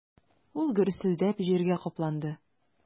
Ул гөрселдәп җиргә капланды.